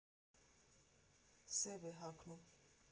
Սև է հագնում։